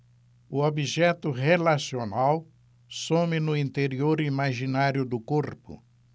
o objeto relacional some no interior imaginário do corpo